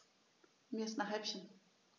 Mir ist nach Häppchen.